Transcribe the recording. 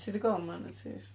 Ti 'di gweld manatees?